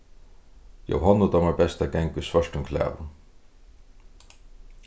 jóhonnu dámar best at ganga í svørtum klæðum